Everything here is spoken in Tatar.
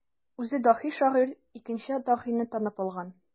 Үзе даһи шагыйрь икенче даһине танып алган.